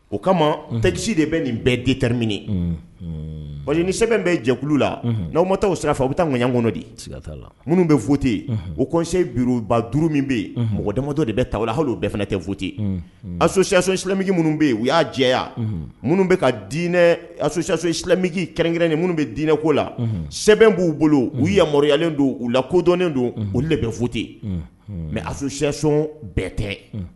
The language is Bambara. O kama tɛkisi de bɛ nin bɛɛta min ni sɛbɛn bɛ jɛkulu la n'aw ma taa sirafa u bɛ taa ŋyan kɔnɔ di minnu bɛ fute yen u kɔnse duuruuruba duuru min bɛ yen mɔgɔ dama dɔ de bɛ tala hali bɛɛ fana tɛ foyite a sosocyaso silamɛm minnu bɛ yen u y'a jɛya minnu bɛ kainɛ aso silamɛm kɛrɛn nin minnu bɛ dinɛ ko la sɛ sɛbɛn b'u bolo u yamaruyayalen don u la kodɔnnen don olu de bɛ fute mɛ a sosocc bɛɛ tɛ